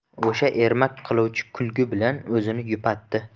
o'sha ermak qiluvchi kulgi bilan o'zini yupatdi